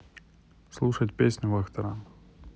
слушать песню вахтерам